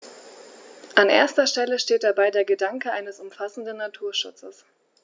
An erster Stelle steht dabei der Gedanke eines umfassenden Naturschutzes.